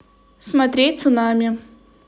смотреть цунами